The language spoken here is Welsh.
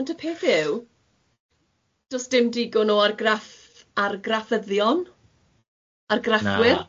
Ond y peth yw does dim digon o argraff- argraffyddion, argraffwyr... Na...